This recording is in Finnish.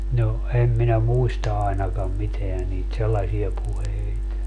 no en minä muista ainakaan mitään niitä sellaisia puheita